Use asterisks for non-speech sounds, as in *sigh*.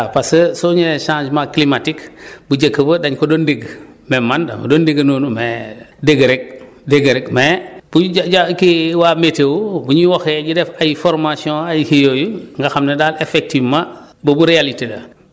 c' est ça parce que soo ñëwee changement climatique *breath* bu njëkk ba dañu ko doon dégg mais man dama doon dégg noonu mais dégg rek dégg rek mais kuy ja kii waa météo bu ñu waxee ñu def ay formation ay kii yooyu nga xam ne daal effectivement boobu réalité la